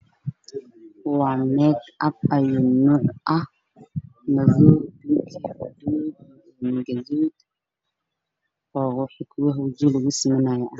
Waa make-up ayi nuuc ah madow, bingi iyo gaduud oo kuwa wajiga lugu sameynaayey ah.